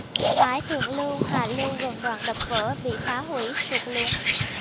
mái thượng lưu hạ lưu gần đoạn đập vỡ bị phá hủy sụt lún